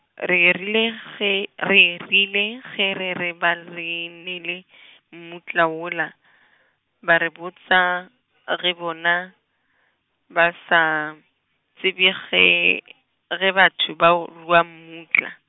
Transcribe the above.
re rile ge, re rile ge re re ba re neele , mmutla wola , ba re botša , ge bona, ba sa, tsebe ge, ge batho ba rua mmutla.